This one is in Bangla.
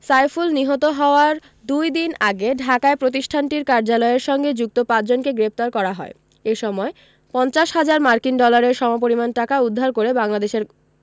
সাইফুল নিহত হওয়ার দুদিন আগে ঢাকায় প্রতিষ্ঠানটির কার্যালয়ের সঙ্গে যুক্ত পাঁচজনকে গ্রেপ্তার করা হয় এ সময় ৫০ হাজার মার্কিন ডলারের সমপরিমাণ টাকা উদ্ধার করে বাংলাদেশের